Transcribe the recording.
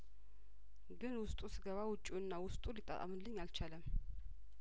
ግን ውስጡ ስገባ ውጪውና ውስጡ ሊጣጣምልኝ አልቻለም